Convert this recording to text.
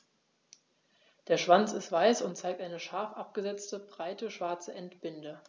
Der Schwanz ist weiß und zeigt eine scharf abgesetzte, breite schwarze Endbinde.